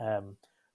Yym.